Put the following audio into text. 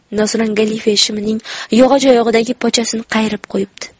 nosrang galife shimining yog'och oyog'idagi pochasini qayirib qo'yibdi